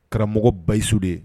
Karamɔgɔ basiyisu de